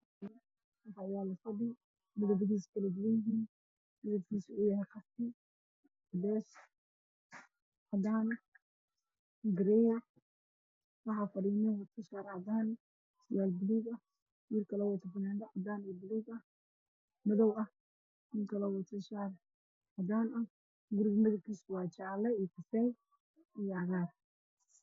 Meeshan oo meel maqaayada waxaa fadhiya fara badan oo cuntaynaya